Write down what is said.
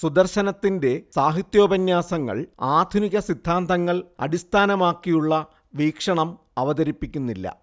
സുദർശനത്തിന്റെ സാഹിത്യോപന്യാസങ്ങൾ ആധുനിക സിദ്ധാന്തങ്ങൾ അടിസ്ഥാനമാക്കിയുള്ള വീക്ഷണം അവതരിപ്പിക്കുന്നില്ല